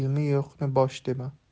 ilmi yo'qni bosh dema